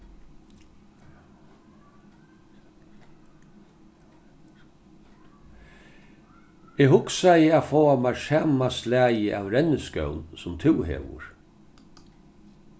eg hugsaði at fáa mær sama slagið av renniskóm sum tú hevur